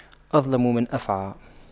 أظلم من أفعى